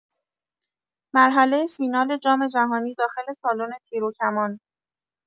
مرحله فینال جام‌جهانی داخل سالن تیروکمان